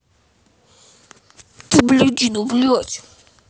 ты блядина блядь